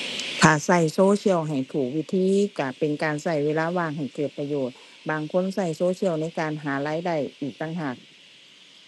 ถ้าใช้โซเชียลให้ถูกวิธีใช้เป็นการใช้เวลาว่างให้เกิดประโยชน์ บางคนใช้โซเชียลในการหารายได้อีกต่างหาก